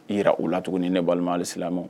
I jira o la tuguni ne balimaw alisilamanw